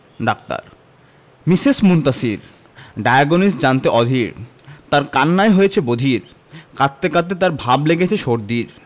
doctor Mrs Muntasir diagnosis জানতে অধীর তার কান্নায় হয়েছি বধির কাঁদতে কাঁদতে তার ভাব লেগেছে সর্দির